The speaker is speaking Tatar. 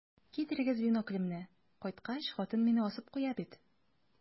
Китерегез биноклемне, кайткач, хатын мине асып куя бит.